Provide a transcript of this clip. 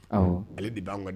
Ale de b' ka dɛ